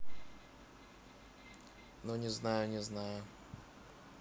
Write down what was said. ну не знаю не знаю